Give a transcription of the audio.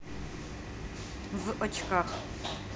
в очках